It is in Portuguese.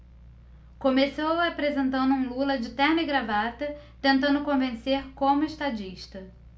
começou apresentando um lula de terno e gravata tentando convencer como estadista